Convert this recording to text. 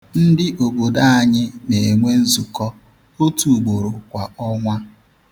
Ndị obodo anyị na-enwe nzukọ otu ugboro kwa ọnwa.